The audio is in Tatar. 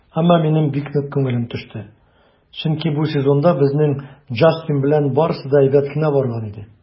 Әмма минем бик нык күңелем төште, чөнки бу сезонда безнең Джастин белән барысы да әйбәт кенә барган иде.